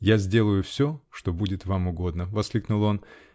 -- Я сделаю все, что будет вам угодно! -- воскликнул он.